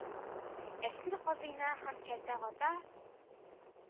Әсир, казыйны һәм Кәлтә Гата